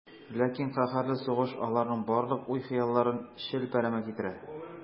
Ләкин каһәрле сугыш аларның барлык уй-хыялларын челпәрәмә китерә.